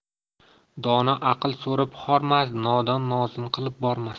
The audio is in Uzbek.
dono aql so'rab hormas nodon nozin qilib bormas